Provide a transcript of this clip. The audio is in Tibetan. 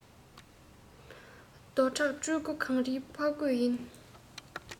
རྡོ བྲག སྤྲུལ སྐུ གངས རིའི ཕོ རྒོད ཡིན